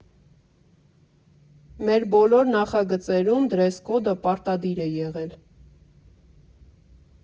Մեր բոլոր նախագծերում դրեսկոդը պարտադիր է եղել։